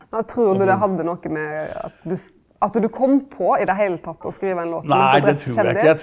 ja trur du det hadde noko med at du at du kom på i det heile tatt å skrive ein låt som Drept kjendis?